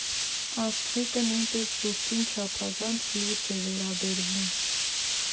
«Աստղիկը» նույնպես սուրճին չափազանց լուրջ է վերաբերվում։